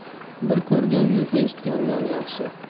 bir ko'rgan yuz eshitgandan yaxshi